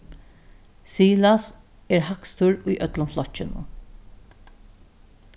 silas er hægstur í øllum flokkinum